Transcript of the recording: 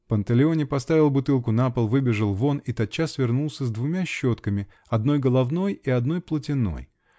Панталеоне поставил бутылку на пол, выбежал вон и тотчас вернулся с двумя щетками, одной головной и одной платяной.